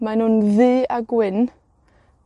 mae nw'n ddu a gwyn.